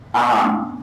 A